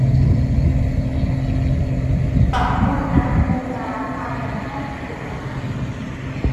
ปรับอุณหภูมิน้ำภายในห้องครัว